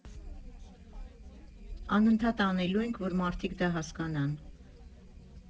Անընդհատ անելու ենք, որ մարդիկ դա հասկանան։